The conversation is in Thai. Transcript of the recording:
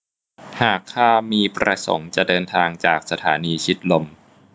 หากข้ามีประสงค์จะเดินทางจากสถานีชิดลม